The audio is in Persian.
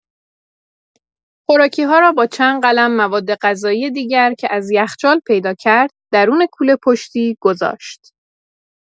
خوراکی‌ها را با چند قلم موادغذایی دیگر که از یخچال پیدا کرد، درون کوله‌پشتی گذاشت.